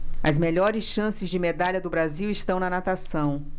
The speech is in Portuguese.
as melhores chances de medalha do brasil estão na natação